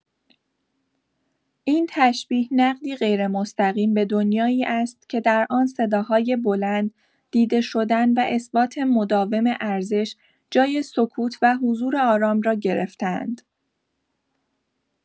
این تشبیه، نقدی غیرمستقیم به دنیایی است که در آن صداهای بلند، دیده شدن و اثبات مداوم ارزش، جای سکوت و حضور آرام را گرفته‌اند.